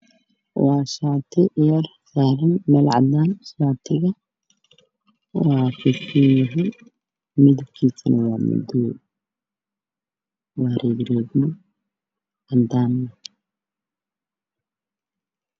Waa shaati madow oo gacmo dheere oo saaran miis caddaan ah waana shati laalaaban